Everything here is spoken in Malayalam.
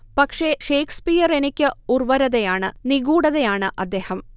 പക്ഷേ, ഷേക്സ്പിയറെനിക്ക് ഉർവരതയാണ് നിഗൂഢതയാണ് അദ്ദേഹം